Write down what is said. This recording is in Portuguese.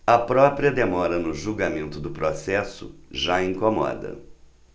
a própria demora no julgamento do processo já incomoda